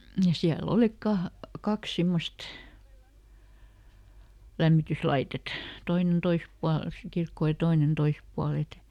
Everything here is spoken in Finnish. ja siellä oli - kaksi semmoista lämmityslaitetta toinen toisella puolella sitä kirkkoa ja toinen toisella puolella että